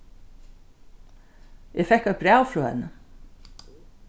eg fekk eitt bræv frá henni